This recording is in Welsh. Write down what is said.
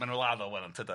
Ma' nw ladd o wel yntydan?